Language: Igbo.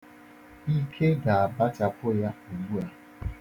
Ike ga-abachapu ya ugbua.